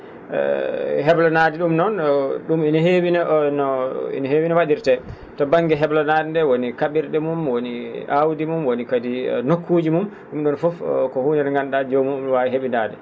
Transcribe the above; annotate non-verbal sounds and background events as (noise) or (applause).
e hablanade ?um noon ?um ene heewi no (hesitation) ne heewi no wa?irtee to ba?nge heblanaade nde woni ka?ir?e mum woni aawdi mum woni kadi nokkuji mum ?um ?on fof ko huunde nde nganndu?aa jomum ?um waawi ?um he?indaade